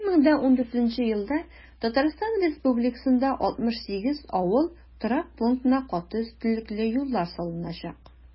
2014 елда татарстан республикасында 68 авыл торак пунктына каты өслекле юллар салыначак.